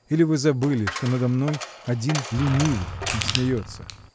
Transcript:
Или вы забыли, что надо мной один лени-- вый не смеется?.